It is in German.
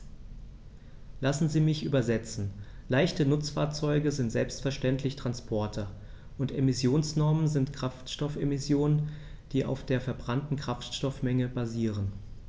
Lassen Sie mich übersetzen: Leichte Nutzfahrzeuge sind selbstverständlich Transporter, und Emissionsnormen sind Kraftstoffemissionen, die auf der verbrannten Kraftstoffmenge basieren.